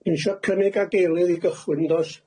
Isio cynnig ag eilio i gychwyn 'n does?